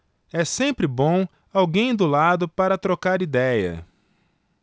é sempre bom alguém do lado para trocar idéia